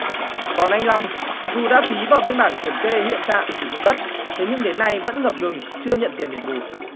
còn anh long dù đã ký vào biên bản kiểm kê hiện trạng sử dụng đất thế nhưng đến nay vẫn ngập ngừng chưa nhận tiền đền bù